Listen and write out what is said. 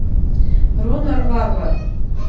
ронор варвар